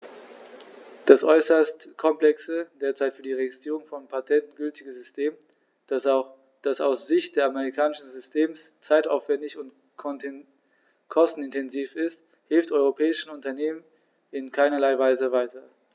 Das äußerst komplexe, derzeit für die Registrierung von Patenten gültige System, das aus Sicht des amerikanischen Systems zeitaufwändig und kostenintensiv ist, hilft europäischen Unternehmern in keinerlei Weise weiter.